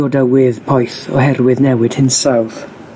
o dywydd poeth oherwydd newid hinsawdd.